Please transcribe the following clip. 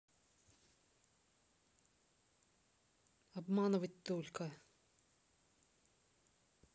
обманывать только